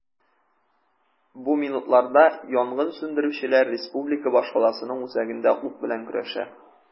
Бу минутларда янгын сүндерүчеләр республика башкаласының үзәгендә ут белән көрәшә.